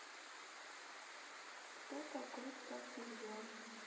кто такой папильон